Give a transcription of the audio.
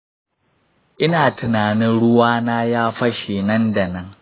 ina tinanin ruwa na ya fashe nan da nan.